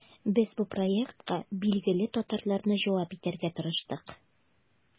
Без бу проектка билгеле татарларны җәлеп итәргә тырыштык.